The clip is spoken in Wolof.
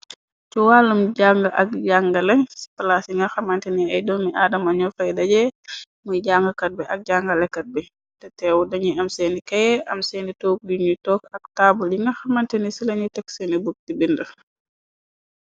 Ci wàllum jàng ak jàngale ci palaas yi nga xamantini ay doomi adama ñoo fay daje muy jàngkat bi. Ak jàngalekat bi te teew dañuy am seeni keye am seeni toog yuñuy took. Ak taabal yi nga xamantini ci lañu teg seeni buk ti bind.